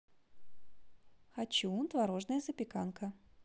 хочу творожная запеканка